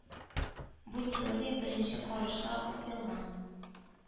Бу теория беренче карашка ук ялган.